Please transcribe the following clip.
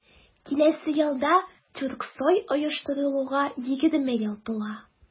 Киләсе елда Тюрксой оештырылуга 20 ел тула.